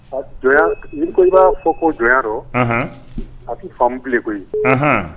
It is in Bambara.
A ko i b'a fɔ ko jɔn dɔ a faamabilen koyi